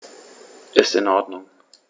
Ist in Ordnung.